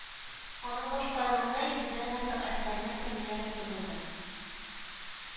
Аның башкаруында йөздән артык әсәрнең премьерасы булды